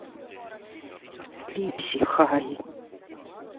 липси хай